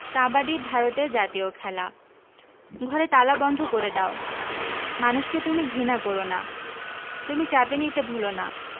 কাবাডি ভারতের জাতীয় খেলা ঘরে তালা বন্ধ করে দাও মানুষ কে তুমি ঘৃণা কোরো না তুমি চাবি নিতে ভুলোনা